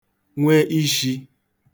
nwe ishī